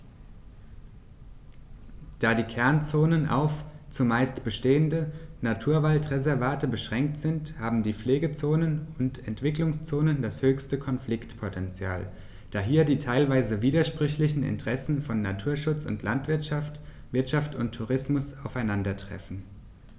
Da die Kernzonen auf – zumeist bestehende – Naturwaldreservate beschränkt sind, haben die Pflegezonen und Entwicklungszonen das höchste Konfliktpotential, da hier die teilweise widersprüchlichen Interessen von Naturschutz und Landwirtschaft, Wirtschaft und Tourismus aufeinandertreffen.